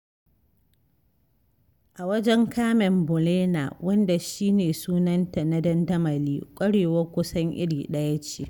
A wajen Carmen Bolena, wanda shi ne sunanta na dandamali, ƙwarewar kusan iri ɗaya ce.